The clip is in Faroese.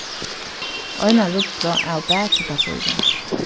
eina rullu av bakipappíri